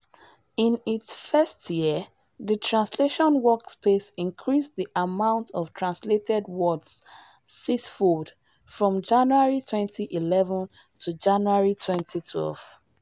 In its first year, the Translation Workspace increased the amount of translated words six-fold (from January 2011 to January 2012).